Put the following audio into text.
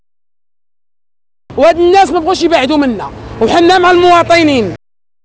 والنقوش مع دومنه واحنا مع المواطنين